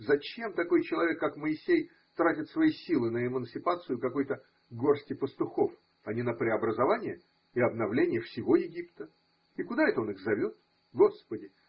Зачем такой человек, как Моисей, тратит свои силы на эмансипацию какой-то горсти пастухов, а не на преобразование и обновление всего Египта? И куда это он их зовет? Господи!